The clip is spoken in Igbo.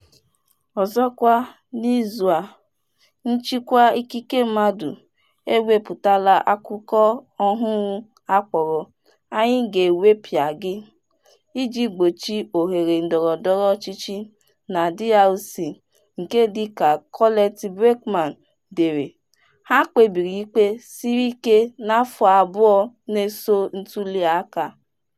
Ọzọkwa n'izu a Human Rights Watch ewepụtala akụkọ ọhụrụ a kpọrọ "Anyị ga-egwepịa gị", iji gbochi oghere ndọrọndọrọ ọchịchị na DRC nke dị ka Colette Braeckman dere "ha kpebiri ikpe siri ike n'afọ abụọ na-eso ntuliaka".